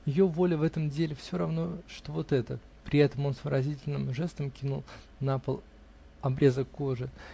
ее воля в этом доме все равно, что вот это, -- при этом он с выразительным жестом кинул на пол обрезок кожи.